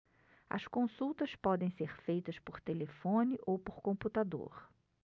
as consultas podem ser feitas por telefone ou por computador